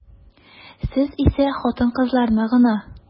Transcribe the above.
Сез исә хатын-кызларны гына.